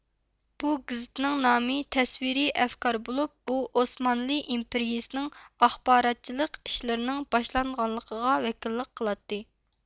بۇ گېزىتنىڭ نامى تەسۋىرىي ئەفكار بولۇپ ئۇ ئوسمانلى ئىمپېرىيىسىنىڭ ئاخباراتچىلىق ئىشلىرىنىڭ باشلانغانلىقىغا ۋەكىللىك قىلاتتى